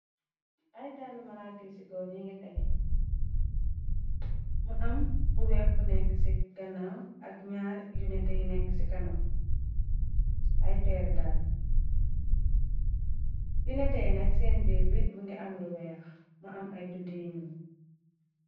Ay dall maraak ci goor ñi ngi tege, mu am bu weex bu nekk ci ganaw , ak ñaar yu nete yu nekk ci kanaw. Ay peer dalla yu neteyi nak seen biir bi më ngi am lu weex mu am ay bind i ñuul.